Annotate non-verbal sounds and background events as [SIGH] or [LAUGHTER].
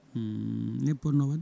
[HESITATION] nooɓe ponno wadde